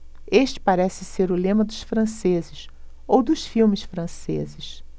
este parece ser o lema dos franceses ou dos filmes franceses